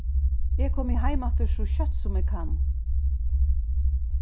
eg komi heim aftur so skjótt sum eg kann